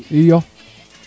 iyo